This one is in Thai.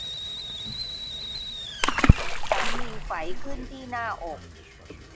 ฉันมีไฝขึ้นที่หน้าอก